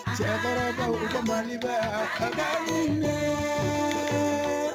Cɛkɔrɔba maba ka ka min fɛ